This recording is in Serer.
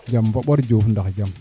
jam fa ɓor Diouf